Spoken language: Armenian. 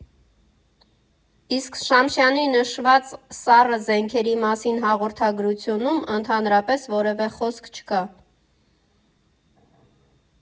Իսկ Շամշյանի նշված սառը զենքերի մասին հաղորդագրությունում ընդհանրապես որևէ խոսք չկա։